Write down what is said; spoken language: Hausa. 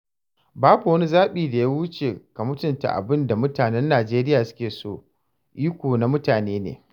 Babu wani zaɓi da ya wuce ka mutunta abin da mutanen Nijeriya suke so, iko na mutane ne.